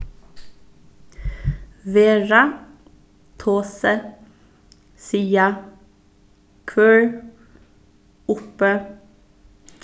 vera tosi siga hvør uppi